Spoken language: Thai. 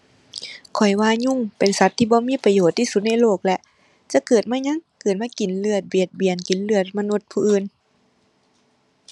ข้อยว่ายุงเป็นสัตว์ที่บ่มีประโยชน์ที่สุดในโลกแล้ว จักเกิดมาหยัง เกิดมากินเลือดเบียดเบียนกินเลือดมนุษย์ผู้อื่น